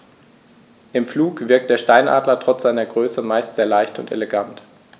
Im Flug wirkt der Steinadler trotz seiner Größe meist sehr leicht und elegant.